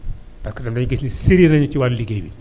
parce que dangay gis ni serieux na ci wàllu liggéey bi